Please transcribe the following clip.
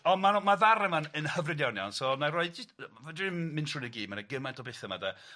On' ma' nw ma' ddarn yma'n yn hyfryd iawn iawn, so wnâi roi jyst yy fedrai 'im mynd trw nw i gyd, ma' 'na gymaint o betha 'ma de